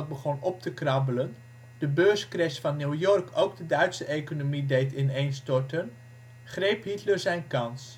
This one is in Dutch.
begon op te krabbelen, de beurscrash van New York ook de Duitse economie deed ineenstorten, greep Hitler zijn kans. Via